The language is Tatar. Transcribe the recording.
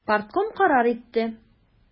Партком карар итте.